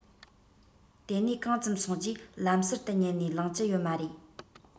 དེ ནས གང ཙམ སོང རྗེས ལམ ཟུར དུ ཉལ ནས ལངས ཀྱི ཡོད མ རེད